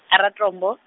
Ha Ratombo.